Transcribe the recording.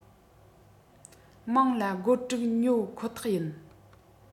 མང ལ སྒོར དྲུག ཉོ ཁོ ཐག ཡིན